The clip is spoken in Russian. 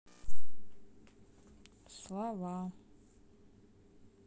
слова